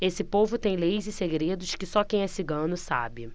esse povo tem leis e segredos que só quem é cigano sabe